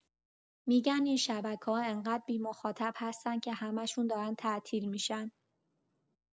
می‌گه این شبکه‌ها انقدر بی‌مخاطب هستن که همشون دارن تعطیل می‌شن